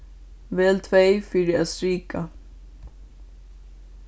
vel tvey fyri at strika